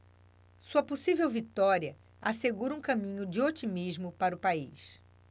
sua possível vitória assegura um caminho de otimismo para o país